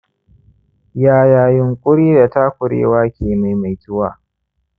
yaya yunƙuri da takurewa ke maimaituwa